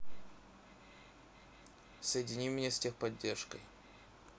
соедини меня с техподдержкой